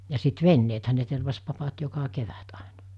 ja sitten veneethän ne tervasi papat joka kevät aina